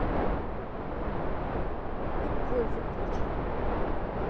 отбой выключить